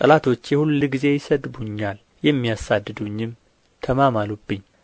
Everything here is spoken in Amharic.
ጠላቶቼ ሁልጊዜ ይሰድቡኛል የሚያሳድዱኝም ተማማሉብኝ